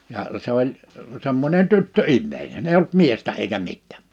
ja se oli semmoinen tyttöihminen ei ollut miestä eikä mitään